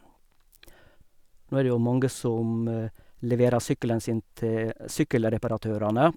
Nå er det jo mange som leverer sykkelen sin til sykkelreparatørene.